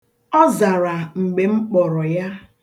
Ọ zara mgbe m kpọrọ ya.